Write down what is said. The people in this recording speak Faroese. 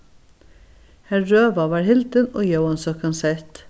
har røða var hildin og jóansøkan sett